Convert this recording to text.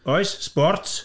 Oes, sports.